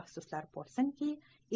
afsuslar bo'lsinki